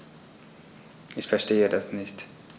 Ich verstehe das nicht.